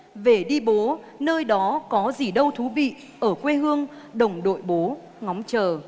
về đi bố nơi đó có gì đâu thú vị ở quê hương đồng đội bố ngóng chờ